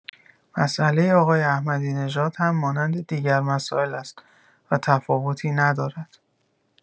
مساله آقای احمدی‌نژاد هم مانند دیگر مسائل است و تفاوتی ندارد.